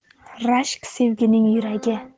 rashk sevgining yuragi